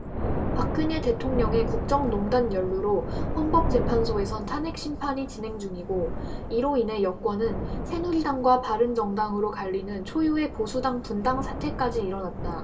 박근혜 대통령의 국정농단 연루로 헌법재판소에선 탄핵 심판이 진행 중이고 이로 인해 여권은 새누리당과 바른정당으로 갈리는 초유의 보수당 분당 사태까지 일어났다